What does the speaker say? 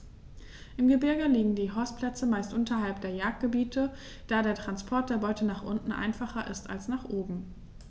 Im Gebirge liegen die Horstplätze meist unterhalb der Jagdgebiete, da der Transport der Beute nach unten einfacher ist als nach oben.